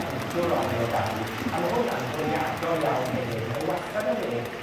pentwr ohonyn nw 'da fi, a ma' hwnna'n bwriadol iawn hefyd, mae wastad yn well